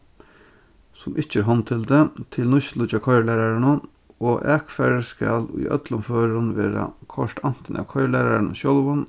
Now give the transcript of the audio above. sum ikki er hondhildið til nýtslu hjá koyrilæraranum og akfarið skal í øllum førum verða koyrt antin av koyrilæraranum sjálvum